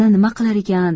nima qilar ekan